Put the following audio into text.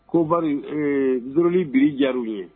Ko kulubalirili bi jaw ye